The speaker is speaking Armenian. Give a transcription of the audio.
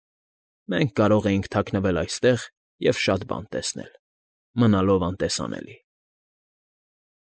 Մենք կարող ենք թաքնվել այստեղ և շատ բան տեսնել՝ մնալով անտեսանելի։ ֊